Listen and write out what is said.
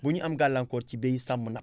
ba ñu am gàllankoor ci bay sàmm napp